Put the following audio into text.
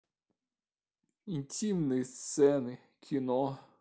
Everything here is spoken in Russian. интимные сцены кино